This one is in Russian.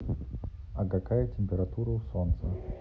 а какая температура у солнца